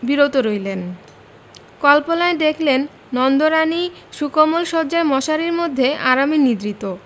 বিরত রইলেন কল্পনায় দেখলেন নন্দরানী সুকোমল শয্যায় মশারির মধ্যে আরামে নিদ্রিত